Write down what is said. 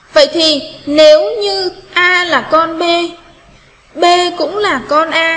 vậy thì nếu như ai là con b b cũng là con ạ